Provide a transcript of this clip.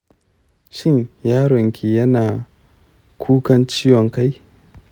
shin yaron ki yana kukan ciwon kai?